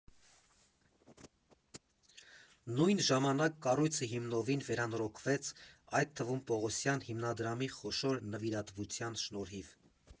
Նույն ժամանակ կառույցը հիմնովին վերանորոգվեց՝ այդ թվում Պողոսյան հիմնադրամի խոշոր նվիրատվության շնորհիվ։